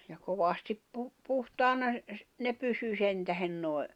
ja kovasti - puhtaana ne pysyi sen tähden nuo